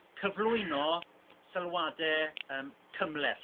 cyflwyno sylwade yym cymhleth.